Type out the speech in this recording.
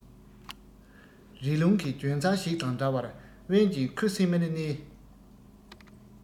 རི ཀླུང གི ལྗོན ཚལ ཞིག དང འདྲ བར དབེན ཅིང ཁུ སུམ མེར གནས